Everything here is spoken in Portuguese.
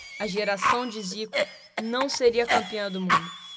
a geração de zico não seria campeã do mundo